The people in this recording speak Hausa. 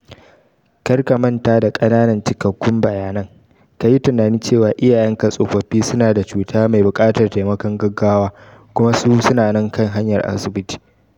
kar ka manta da kananan cikakkun bayanan: Ka yi tunanin cewa iyayen ka tsofaffi su na da cuta mai bukatar taimakon gaggawa kuma su na kan hanyar zuwa asibiti.